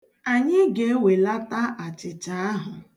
Anyị ga-ewelata achịcha ahụ.